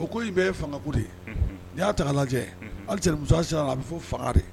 O ko in bɛ ye fangako de ye, unhun, n'i y'a k'a lajɛ hali cɛnimusoya sira kan a bɛ fɔ fanga de